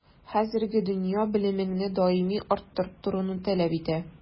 Хәзерге дөнья белемеңне даими арттырып торуны таләп итә.